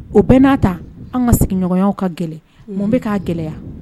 O bɛɛ n'a ta anw ka sigiɲɔnyaw ka gɛlɛn, mun bɛ k'a gɛlɛya?